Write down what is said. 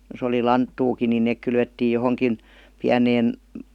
jos oli lanttuakin niin ne kylvettiin johonkin pieneen